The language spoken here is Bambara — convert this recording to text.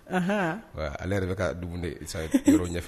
H ale yɛrɛ bɛ ka de ɲɛfɛ